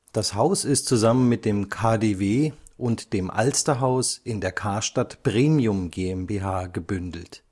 Das Haus ist zusammen mit dem KaDeWe und dem Alsterhaus in der Karstadt Premium GmbH gebündelt